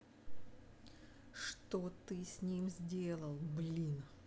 что ты с ним сделал блин